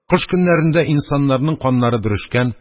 Кыш көннәрендә инсаннарның каннары бөрешкән,